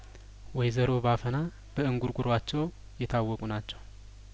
ወይዘሮ ባፈና በእንጉርጉሯቸው የታወቁ ናቸው